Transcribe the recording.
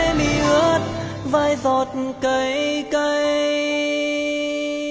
khóe mi ướt vài giọt cay cay